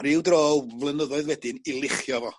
ryw dro flynyddoedd wedyn 'i luchio fo